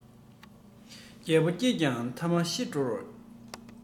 རྒྱལ པོ སྐྱིད ཀྱང ཐ མ ཤི འགྲོ རེད